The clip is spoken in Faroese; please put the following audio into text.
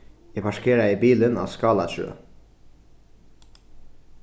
eg parkeraði bilin á skálatrøð